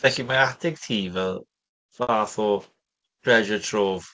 Felly, mae atig ti fel fath o treasure trove.